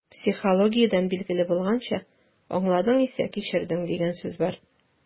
Психологиядән билгеле булганча, «аңладың исә - кичердең» дигән сүз бар.